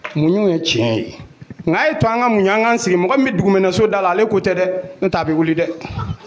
Munɲ ye tiɲɛ ye nka a ye to an ka mun an ka sigi mɔgɔ bɛ dugu minɛso da la ale ko tɛ dɛ taa bɛ wuli dɛ